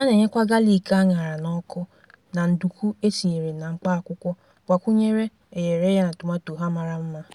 Ha na-enyekwa galik a ṅara n'ọkụ na ndukwu etinyere na mkpaakwụkwọ, gbakwunyere eghereghe na tomato ha mara mma.